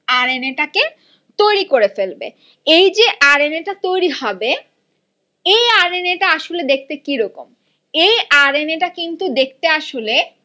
আর N এ টাকে তৈরি করে ফেলবে এই যে আর এন এ টা তৈরি হবে এই আর এন এ টা আসলে দেখতে কি রকম এই আর এন এ টা কিন্তু দেখতে আসলে